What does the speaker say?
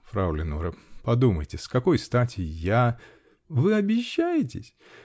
-- Фрау Леноре, подумайте, с какой стати я. -- Вы обещаетесь?